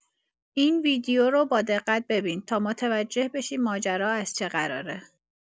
این ویدیو رو با دقت ببین تا متوجه بشی ماجرا از چه قراره